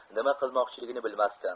nima qilmoqchiligini bilmasdi